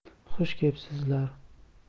xush kepsizlar